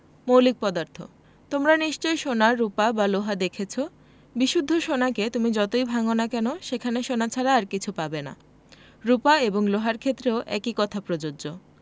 মৌলিক পদার্থ তোমরা নিশ্চয় সোনা রুপা বা লোহা দেখেছ বিশুদ্ধ সোনাকে তুমি যতই ভাঙ না কেন সেখানে সোনা ছাড়া আর কিছু পাবে না রুপা এবং লোহার ক্ষেত্রেও একই কথা প্রযোজ্য